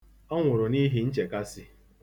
Ọ nwụrụ n'ihi nchekasị.